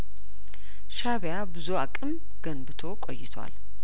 ሻእቢያ ብዙ አቅም ገንብቶ ቆይቷል